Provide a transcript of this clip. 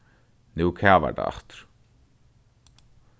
nú kavar tað aftur